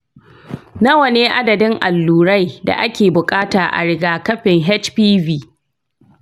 nawa ne adadin allurai da ake buƙata a rigakafin hpv?